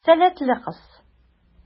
Сәләтле кыз.